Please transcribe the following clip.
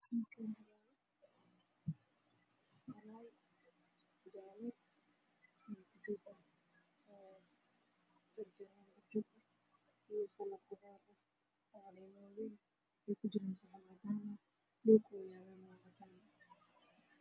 Waa saxan cadaan waxaa ku jirto khudaar cagaaran hilib jaarle ah